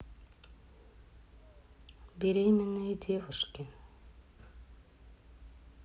беременные девушки